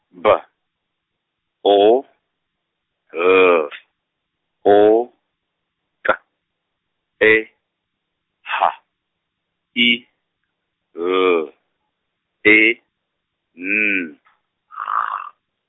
B O L O K E H I L E N G.